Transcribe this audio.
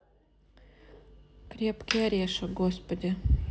крепкий орешек господи